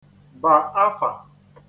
bà afà